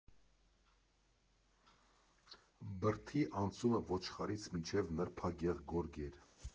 Բրդի անցումը ոչխարից մինչև նրբագեղ գորգեր։